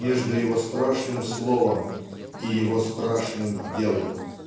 между его страшным словом и его страшным делом.